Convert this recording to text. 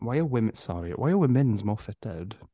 Why are women... sorry, why are women's more fitted?